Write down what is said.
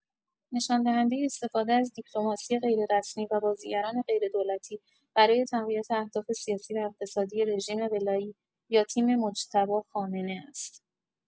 نشان‌دهنده استفاده از دیپلماسی غیررسمی و بازیگران غیردولتی برای تقویت اهداف سیاسی و اقتصادی رژیم ولایی یا تیم مجتبی خامنه است.